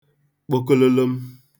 kpokololom